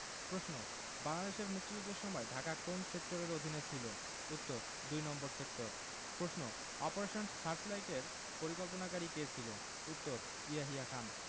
প্রশ্ন বাংলাদেশের মুক্তিযুদ্ধের সময় ঢাকা কোন সেক্টরের অধীনে ছিলো উত্তর দুই নম্বর সেক্টর প্রশ্ন অপারেশন সার্চলাইটের পরিকল্পনাকারী কে ছিল উত্তর ইয়াহিয়া খান